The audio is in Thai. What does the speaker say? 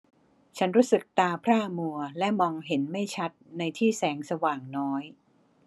ฉันรู้สึกตาพร่ามัวและมองเห็นไม่ชัดในที่แสงสว่างน้อย